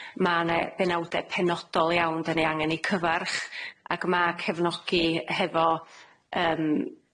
Ma' 'ne benawde penodol iawn 'dan ni angen 'u cyfarch, ac ma' cefnogi hefo yym